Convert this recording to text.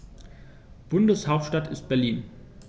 Bundeshauptstadt ist Berlin.